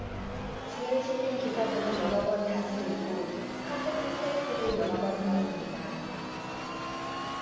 지에 실린 기사들을 여러 번 다시 읽고 카세트테이프도 여러 번 들었습니다